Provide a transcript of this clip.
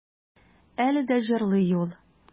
Әле дә җырлый ул.